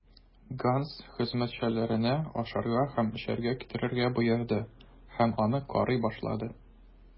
Ганс хезмәтчеләренә ашарга һәм эчәргә китерергә боерды һәм аны карый башлады.